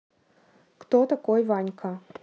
кто такой ванька